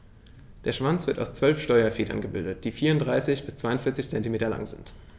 Der Schwanz wird aus 12 Steuerfedern gebildet, die 34 bis 42 cm lang sind.